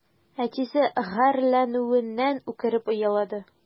Әтисе гарьләнүеннән үкереп елады.